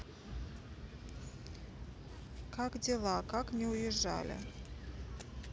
как дела как не уезжали